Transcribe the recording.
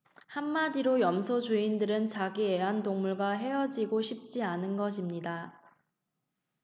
한마디로 염소 주인들은 자기 애완동물과 헤어지고 싶지가 않은 것입니다